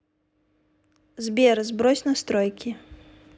сбер сбрось настройки